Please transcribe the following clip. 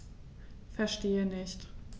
Verstehe nicht.